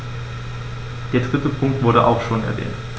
Der dritte Punkt wurde auch schon erwähnt.